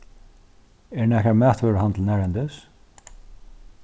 er nakar matvøruhandil nærhendis